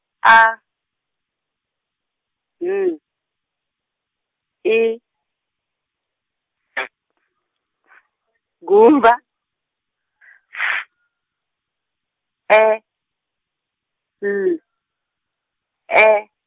A, N, I, gumba, F, E, L, E.